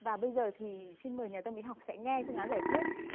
và bây giờ thì xin mời nhà tâm lý học sẽ nghe phương án giải quyết